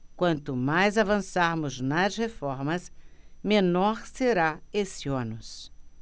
quanto mais avançarmos nas reformas menor será esse ônus